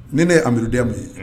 Ni ne ye Amidu Dème ye